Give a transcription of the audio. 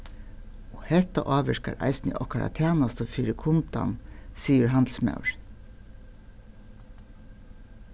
og hetta ávirkar eisini okkara tænastu fyri kundan sigur handilsmaðurin